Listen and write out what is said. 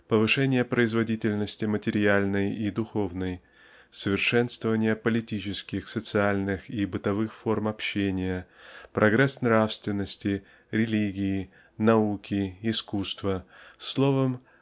повышение производительности материальной и духовной совершенствование политических социальных и бытовых форм общения прогресс нравственности религии науки искусства словом